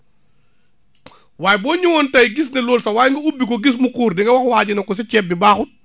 waaye boo ñëwoon tey gis ne loolu sax waaye nga ubbi ko gis mu xuur di nga wax waa ji ne ko sa ceeb bi baaxut